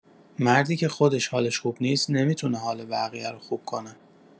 مردی که خودش حالش خوب نیست، نمی‌تونه حال بقیه رو خوب کنه.